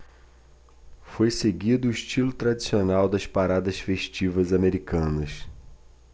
foi seguido o estilo tradicional das paradas festivas americanas